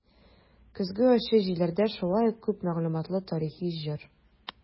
"көзге ачы җилләрдә" шулай ук күп мәгълүматлы тарихи җыр.